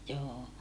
joo